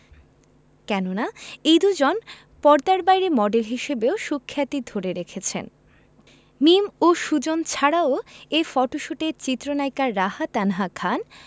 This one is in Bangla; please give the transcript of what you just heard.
কেননা এই দুইজন পর্দার বাইরে মডেল হিসেবেও সুখ্যাতি ধরে রেখেছেন মিম ও সুজন ছাড়াও এ ফটোশ্যুটে চিত্রনায়িকা রাহা তানহা খান